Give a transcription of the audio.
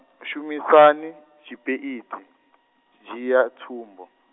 shumisani, tshipeidi , dzhia, tsumbo.